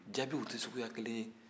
jaabiw tɛ suguya kelen ye